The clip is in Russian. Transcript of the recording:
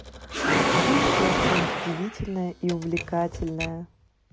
расскажи еще что нибудь удивительное и увлекательное